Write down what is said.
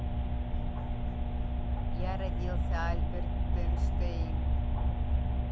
я родился альбер энштейн